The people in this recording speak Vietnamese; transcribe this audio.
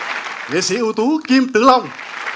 nghệ sĩ ưu tú kim tử long